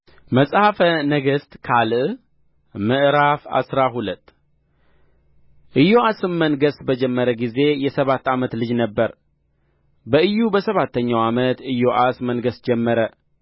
መጽሐፈ ነገሥት ካልዕ ምዕራፍ አስራ ሁለት ኢዮአስም መንገሥ በጀመረ ጊዜ የሰባት ዓመት ልጅ ነበረ በኢዩ በሰባተኛው ዓመት ኢዮአስ መንገሥ ጀመረ